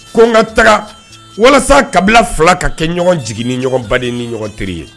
Ko n ka taga walasa kabila 2 ka kɛ ɲɔgɔn jigin ni ɲɔgɔn baden ni ɲɔgɔn teri ye.